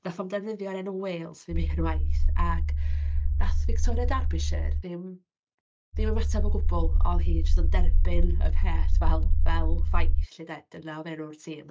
Wnaeth o'm defnyddio'r enw Wales, ddim unwaith, ac wnaeth Victoria Derbyshire ddim ddim ymateb o gwbl, oedd hi jyst yn derbyn y peth fel fel ffaith 'lly de, dyna oedd enw'r tîm.